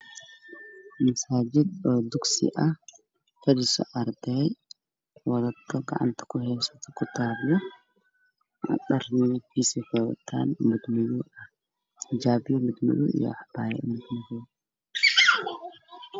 Waa arday gabdhaha waa masaajid fadhiyaal ah xijaab madow wataan quraan ayay akhrinayaan oo cadaan